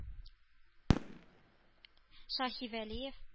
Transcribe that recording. Шаһивәлиев